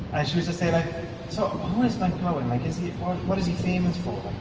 And she was just saying like, "so who is Michael Owen, like is he... what is he famous fore, like?